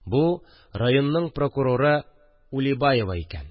Бу – районның прокуроры Улибаева икән